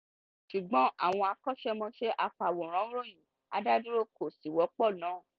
Ṣùgbọ́n, àwọn akọ́ṣẹ́mọṣẹ́ afàwòránròyìn adádúró kò sì wọ́pọ̀ náà.